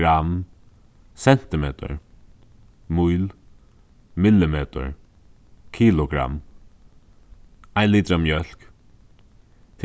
gramm sentimetur míl millimetur kilogramm ein litur av mjólk